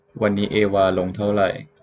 วันนี้เอวาลงเท่าไหร่